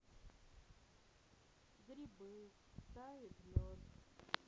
грибы тает лед